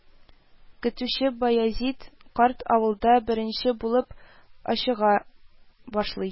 Көтүче Баязит карт авылда беренче булып ачыга башлый